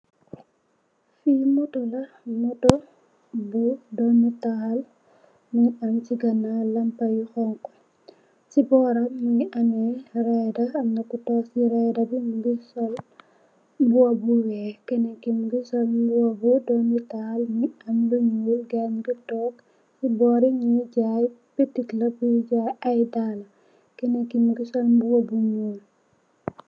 Fi Moto la, Moto bu doomital mungi am chi ganaaw lampa yu honku. Chi boram mungi ameh rëyda amna Ku toog rëyda bi mungi sol mbuba bu weeh, kenen ki mu sol mbuba bu doomital, mu am lu ñuul. Guy nungi ci boori ni jaay ay daal, kenen ki mungi sol mbuba bu ñuul.